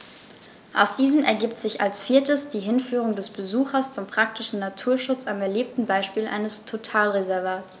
Aus diesen ergibt sich als viertes die Hinführung des Besuchers zum praktischen Naturschutz am erlebten Beispiel eines Totalreservats.